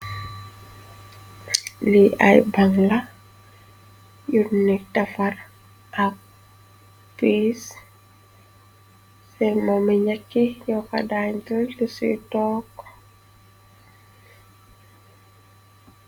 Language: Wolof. li ay bangla urnik tafar ak ps se mami nakki yoka dandël li suy took